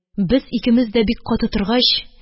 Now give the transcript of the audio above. Без икемез дә бик каты торгач